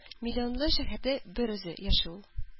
Миллионлы шәһәрдә берүзе яши ул.